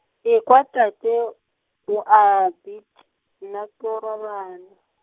ekwa tate, o a bit, nna ko robala.